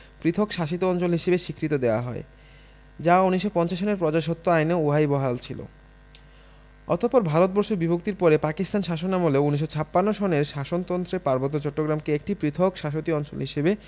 পৃথক শাসিত অঞ্চল হিসেবে স্বীকৃতি দেয়া হয় যা ১৯৫০ সনের প্রজাস্বত্ব আইনেও উহাই বহাল ছিল অতপর ভারতবর্ষ বিভক্তির পরে পাকিস্তান শাসনামলেও ১৯৫৬ সনের শাসনন্ত্রে পার্বত্য চট্টগ্রামকে একটি 'পৃথক শাসতি অঞ্চল' হিসেবে